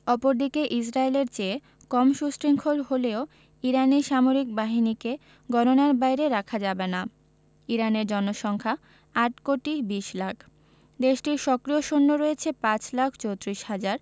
অপরদিকে ইসরায়েলের চেয়ে কম সুশৃঙ্খল হলেও ইরানি সামরিক বাহিনীকে গণনার বাইরে রাখা যাবে না ইরানের জনসংখ্যা ৮ কোটি ২০ লাখ দেশটির সক্রিয় সৈন্য রয়েছে ৫ লাখ ৩৪ হাজার